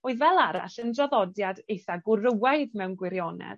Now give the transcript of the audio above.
oedd fel arall yn draddodiad eitha gwrywaidd mewn gwirionedd.